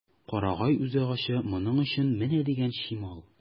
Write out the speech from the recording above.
Карагай үзагачы моның өчен менә дигән чимал.